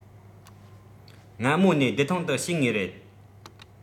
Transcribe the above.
སྔ མོ ནས བདེ ཐང དུ བྱེད ངེས རེད